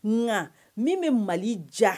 Nka min bɛ Mali diya.